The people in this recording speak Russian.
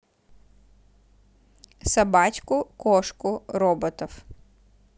собачку кошку роботов